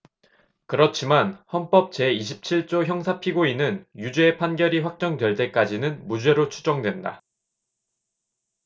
그렇지만 헌법 제 이십 칠 조 형사피고인은 유죄의 판결이 확정될 때까지는 무죄로 추정된다